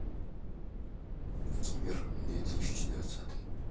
кемер две тысячи двадцатый